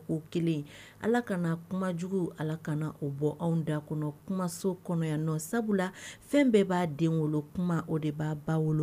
Ala kana kumajugu ala o bɔ anw da kɔnɔ kumaso kɔnɔya nɔ sabula la fɛn bɛɛ b'a den wolo kuma o de b'a ba wolo